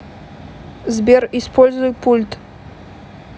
сбер используй пульт